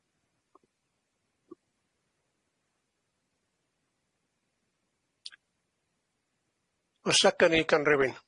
Os 'na gynig gan rywun?